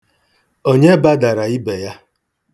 Onye badara ibe ya?